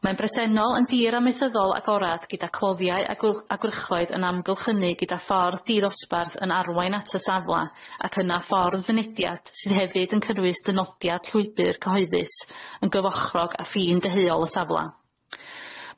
Mae'n bresennol yn dir amaethyddol agorad gyda cloddiau a gw- a gwrychoedd yn amgylchynu gyda ffordd diddosbarth yn arwain at y safla ac yna ffordd fynediad sydd hefyd yn cynnwys dynodiad llwybyr cyhoeddus yn gyfochrog â ffin deheuol y safla.